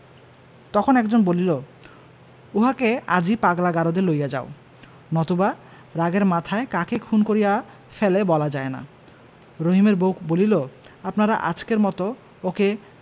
তখন একজন বলিল উহাকে আজই পাগলা গারদে লইয়া যাও নতুবা রাগের মাথায় কাকে খুন করিয়া ফেলে বলা যায় না রহিমের বউ বলিল আপনারা আজকের মতো ওকে